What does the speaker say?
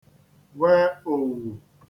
we òowù